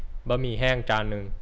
หมี่แห้งจานนึง